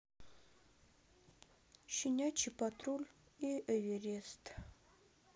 щенячий патруль и эверест